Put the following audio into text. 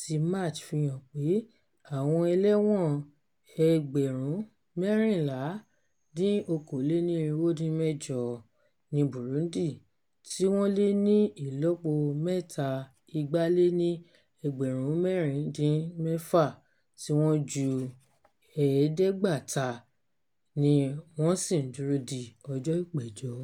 ti March fi hàn pé àwọn ẹlẹ́wọ̀n 13,532 ni Burundi, tí wọ́n lé ní ìlọ́po mẹ́ta 4,194; tí wọ́n ju 5,000 ni wọn ṣì ń dúró di ọjọ́ ìpẹ̀jọ́.